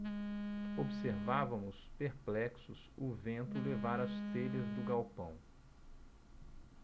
observávamos perplexos o vento levar as telhas do galpão